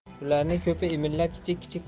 ularning ko'pi imillab kichik kichik